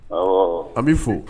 Awɔ an b'i fo.